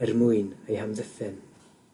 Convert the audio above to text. er mwyn ei hamddiffyn.